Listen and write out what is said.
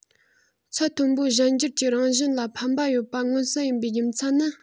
ཚད མཐོན པོའི གཞན འགྱུར གྱི རང བཞིན ལ ཕན པ ཡོད པ མངོན གསལ ཡིན པའི རྒྱུ མཚན ནི